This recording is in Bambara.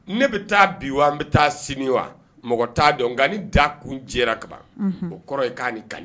Ne bɛ taa bi wa n bɛ taa sini wa, mɔgɔ t'a dɔn. Nka ni Da tun jɛra ka ban o kɔrɔ ye k'a ni kaɲi.